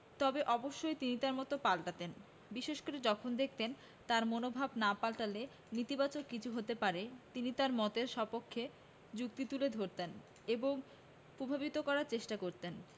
তবে অবশ্যই তিনি তাঁর মত পাল্টাতেন বিশেষ করে যখন দেখতেন তাঁর মনোভাব না পাল্টালে নেতিবাচক কিছু হতে পারে তিনি তাঁর মতের সপক্ষে যুক্তি তুলে ধরতেন এবং প্রভাবিত করার চেষ্টা করতেন